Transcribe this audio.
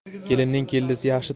kelinning keldisi yaxshi